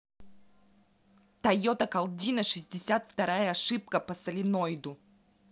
тойота калдина шестьдесят вторая ошибка по соленоиду